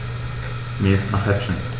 Mir ist nach Häppchen.